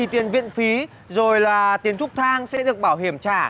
thì tiền viện phí rồi là tiền thuốc thang sẽ được bảo hiểm trả